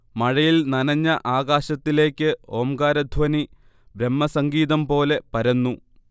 മഴയിൽ നനഞ്ഞ ആകാശത്തിലേക്ക് ഓംകാരധ്വനി ബ്രഹ്മസംഗീതംപോലെ പരന്നു